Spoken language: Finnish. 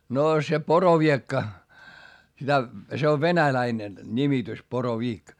noo se poroviekka sitä se on venäläinen nimitys poroviik